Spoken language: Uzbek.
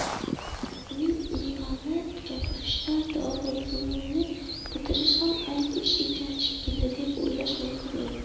uning iymanib gapirishidan dorilfununni bitirish ham ayb ish ekan shekilli deb o'ylash mumkin edi